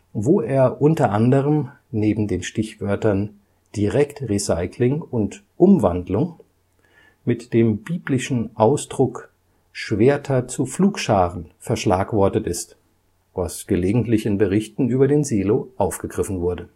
wo er u. a. neben den Stichwörtern „ Direktrecycling “und „ Umwandlung “mit dem biblischen Ausdruck „ Schwerter zu Pflugscharen “verschlagwortet ist, was gelegentlich in Berichten über den Silo aufgegriffen wurde